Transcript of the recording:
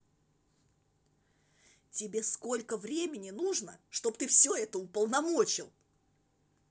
тебе сколько времени нужно чтобы ты все это уполномочил